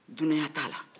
dunanya t'ala